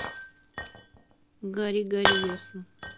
гори гори ясно